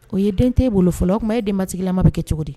O ye den t'e bolo fɔlɔ, o kuma e denbatigilama bɛ kɛ cogo di?